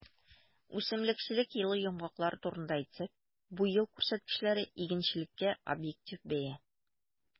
Үсемлекчелек елы йомгаклары турында әйтсәк, бу ел күрсәткечләре - игенчелеккә объектив бәя.